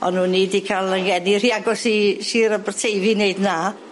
On' o'n i 'di ca'l 'yn geni rhy agos i Shir Aberteifi neud na.